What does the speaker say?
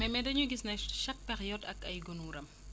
mais mais dañuy gis ne chaque période ak ay gunóoram